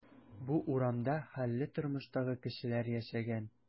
Бу урамда хәлле тормыштагы кешеләр яшәгән.